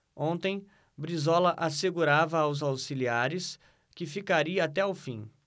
ontem brizola assegurava aos auxiliares que ficaria até o fim